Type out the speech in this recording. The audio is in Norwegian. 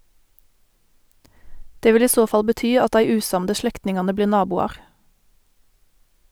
Det vil i så fall bety at dei usamde slektningane blir naboar.